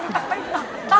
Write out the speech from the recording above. tăng tằng tăng